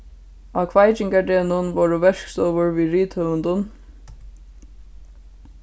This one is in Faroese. á kveikingardegnum vóru verkstovur við rithøvundum